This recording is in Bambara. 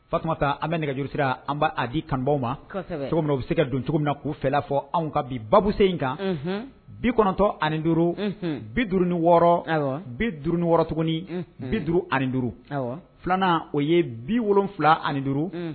Fasa an bɛ nɛgɛjurusi sera an' a di kanubaw ma cogo min u bɛ se ka don cogo min na k'u fɛla fɔ anw ka bi basen in kan bi kɔnɔntɔ ani duuru bi duuru ni wɔɔrɔ bi duuru ni wɔɔrɔ tuguni bi duuru ani duuru filanan o ye bi wolon wolonwula ani duuru